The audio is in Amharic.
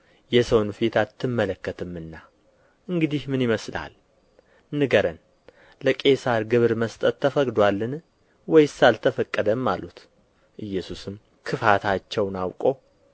የሰውን ፊት አትመለከትምና እንግዲህ ምን ይመስልሃል ንገረን ለቄሣር ግብር መስጠት ተፈቅዶአልን ወይስ አልተፈቀደም አሉት ኢየሱስም ክፋታቸውን አውቆ